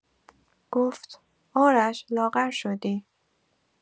گفت «آرش، لاغر شدی!»